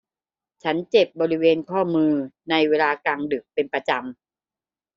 ฉันเจ็บบริเวณข้อมือในเวลากลางดึกเป็นประจำ